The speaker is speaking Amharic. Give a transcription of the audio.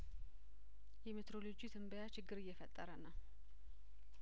የሜትሮሎጂ ትንበያ ችግር እየፈጠረ ነው